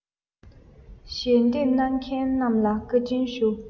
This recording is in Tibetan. ཞལ འདེབས གནང མཁན རྣམས ལ བཀའ དྲིན ཞུ